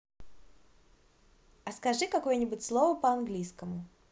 а скажи какое нибудь слово по английскому